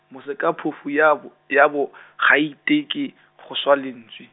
Mosekaphofu yabo, yabo , ga a iteke, go swa lentswe.